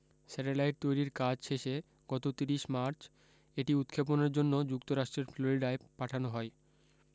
satellite তৈরির কাজ শেষে গত ৩০ মার্চ এটি উৎক্ষেপণের জন্য যুক্তরাষ্ট্রের ফ্লোরিডায় পাঠানো হয়